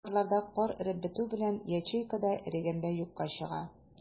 Тик кырларда кар эреп бетү белән, ячейка да эрегәндәй юкка чыга.